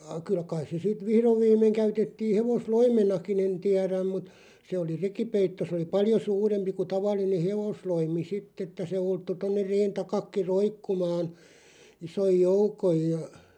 - kyllä kai se sitten vihdoin viimein käytettiin hevosloimenakin en tiedä mutta se oli rekipeitto se oli paljon suurempi kuin tavallinen hevosloimi sitten että se ulottui tuonne reen taakin roikkumaan ison joukon ja